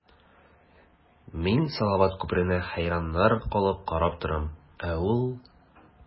Мин салават күперенә хәйраннар калып карап торам, ә ул...